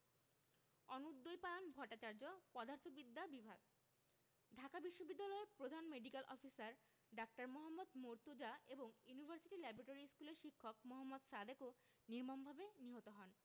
অনুদ্বৈপায়ন ভট্টাচার্য পদার্থবিদ্যা বিভাগ ঢাকা বিশ্ববিদ্যালয়ের প্রধান মেডিক্যাল অফিসার ডা. মোহাম্মদ মর্তুজা এবং ইউনিভার্সিটি ল্যাবরেটরি স্কুলের শিক্ষক মোহাম্মদ সাদেকও নির্মমভাবে নিহত হন